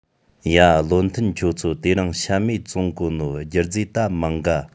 ཡ བློ མཐུན ཁྱོད ཚོ དེ རིང བཤམས མས བཙོང གོ ནོ རྒྱུ རྫས ད མང ག